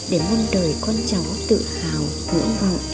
để muôn đời con cháu tự hào vững vọng